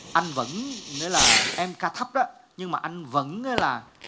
anh vẫn nghĩa là em ca thấp đó nhưng anh vẫn ấy là